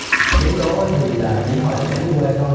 biến cố thì là chỉ hồi lúc ở dưới quê thôi